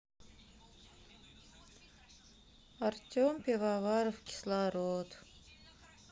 артем пивоваров кислород